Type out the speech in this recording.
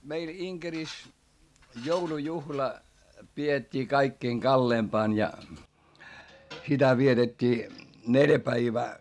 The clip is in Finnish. meillä Inkerissä joulujuhla pidettiin kaikkein kalleimpana ja sitä vietettiin neljä päivää